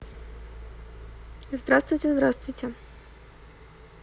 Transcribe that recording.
здравствуйте здравствуйте